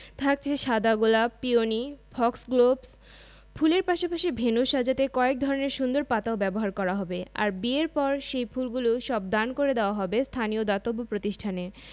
থাকছে সাদা গোলাপ পিওনি ও ফক্সগ্লোভস ফুলের পাশাপাশি ভেন্যু সাজাতে কয়েক ধরনের সুন্দর পাতাও ব্যবহার করা হবে আর বিয়ের পর সেই ফুলগুলো সব দান করে দেওয়া হবে স্থানীয় দাতব্য প্রতিষ্ঠানে